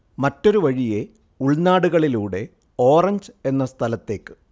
മറ്റൊരു വഴിയെ, ഉൾനാടുകളിലൂടെ, ഓറഞ്ച് എന്ന സ്ഥലത്തേക്ക്